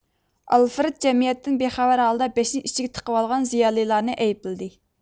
ئالفرېد جەمئىيەتتىن بىخەۋەر ھالدا بېشىنى ئىچىگە تىقىۋالغان زىيالىيلارنى ئەيىپلىدى